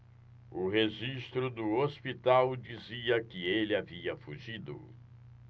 o registro do hospital dizia que ele havia fugido